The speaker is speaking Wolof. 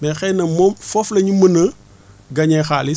mais xëy na moom foofu la ñu mën a gagné xaalis